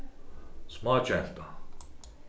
smágenta